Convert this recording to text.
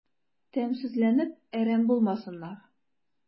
Тәмсезләнеп әрәм булмасыннар...